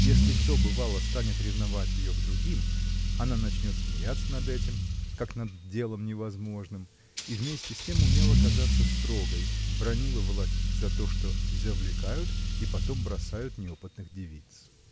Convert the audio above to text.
Если кто, бывало, станет ревновать ее к другим, она начнет смеяться над этим, как над делом невозможным, и вместе с тем умела казаться строгой, бранила волокит за то, что завлекают и потом бросают неопытных девиц.